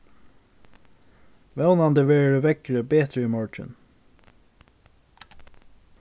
vónandi verður veðrið betri í morgin